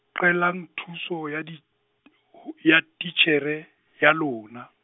Qelang thuso ya di- , ya titjhere, ya lona.